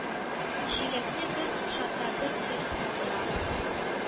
Җиләкне бер бушата, бер кире салдыра.